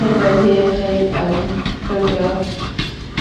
neud o'u hun neu yym ffurfio